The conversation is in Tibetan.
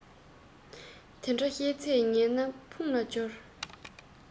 དེ འདྲའི བཤད ཚད ཉན ན ཕུང ལ སྦྱོར